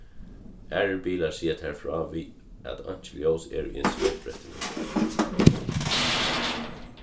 aðrir bilar siga tær frá við at einki ljós er í instrumentbrettinum